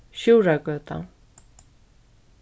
sjúrðargøta